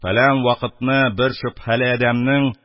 Фәлән вакытны бер шөбһәле адәмнең,